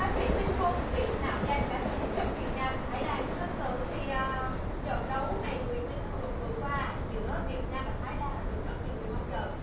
ca sĩ minh quân bị mạo danh bán vé trận việt nam thái lan thực sự thì ờ trận đấu ngày mười chín tháng mười một vừa qua giữa việt nam và thái lan được rất nhiều người mong chờ